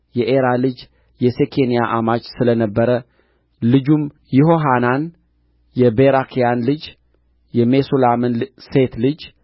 የኤራ ልጅ የሴኬንያ አማች ስለ ነበረ ልጁም ይሆሐናን የቤራክያን ልጅ የሜሱላምን ሴት ልጅ